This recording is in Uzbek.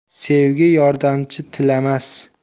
sevgi yordamchi tilamas